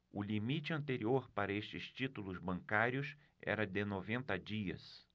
o limite anterior para estes títulos bancários era de noventa dias